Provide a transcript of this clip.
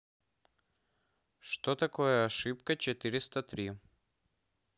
что такое ошибка четыреста три